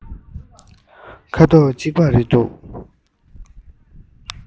ཁ དོག གཅིག པ རེད འདུག